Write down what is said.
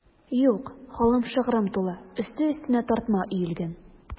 Юк, халык шыгрым тулы, өсте-өстенә тартма өелгән.